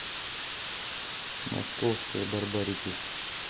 московская барбарики